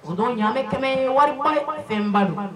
O don ɲaamɛ kɛmɛ ye wariba ye, fɛnba don